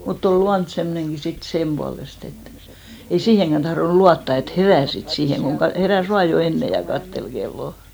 mutta oli luonto semmoinenkin sitten sen puolesta että ei siihenkään tahtonut luottaa että herää sitten siihen kun - heräsi vain jo ennen ja katseli kelloa